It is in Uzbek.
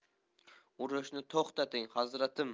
urushni to'xtating hazratim